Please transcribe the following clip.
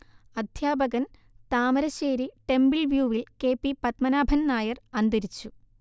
അധ്യാപകൻ താമരശ്ശേരി ടെമ്പിൾവ്യൂവിൽ K P Padmanabhan Nair അന്തരിച്ചു